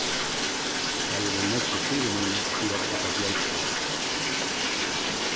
har eru nógvir fyrimunir við at eta bjølgfruktir